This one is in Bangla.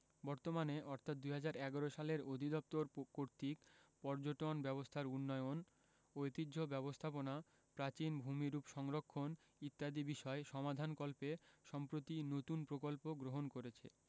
বর্তমানে অর্থাৎ ২০১১ সালের অধিদপ্তর কর্তৃক পর্যটন ব্যবস্থার উন্নয়ন ঐতিহ্য ব্যবস্থাপনা প্রাচীন ভূমিরূপ সংরক্ষণ ইত্যাদিবিষয় সমাধানকল্পে সম্প্রতি নতুন প্রকল্প গ্রহণ করেছে